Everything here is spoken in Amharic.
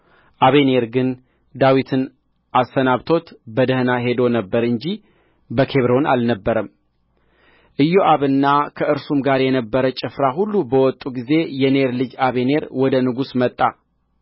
አበኔር ግን ዳዊት አሰናብቶት በደኅና ሄዶ ነበር እንጂ በኬብሮን አልነበረም ኢዮአብና ከእርሱም ጋር የነበረ ጭፍራ ሁሉ በመጡ ጊዜ የኔር ልጅ አበኔር ወደ ንጉሥ መጣ